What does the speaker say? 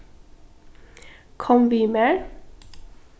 kom við mær